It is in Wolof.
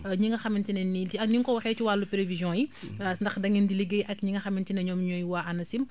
ñi nga xamante ne ni ak ni nga ko waxee ci wàllu prévision yi ndax da ngeen di liggéey ak ñi nga xamante ne ñoom ñooy waa ANACIM